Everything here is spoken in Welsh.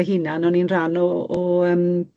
fy hunan o'n i'n rhan o o yym...